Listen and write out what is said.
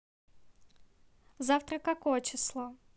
завтра какое чесло